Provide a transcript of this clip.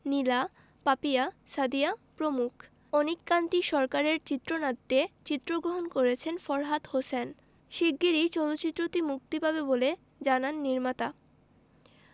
নীলা পাপিয়া সাদিয়া প্রমুখ অনিক কান্তি সরকারের চিত্রনাট্যে চিত্রগ্রহণ করেছেন ফরহাদ হোসেন শিগগিরই চলচ্চিত্রটি মুক্তি পাবে বলে জানান নির্মাতা